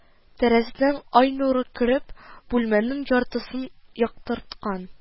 Тәрәзәдән ай нуры кереп, бүлмәнең яртысын яктырткан